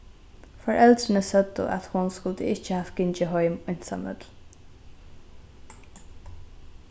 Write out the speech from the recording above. foreldrini søgdu at hon skuldi ikki havt gingið heim einsamøll